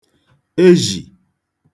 ezhì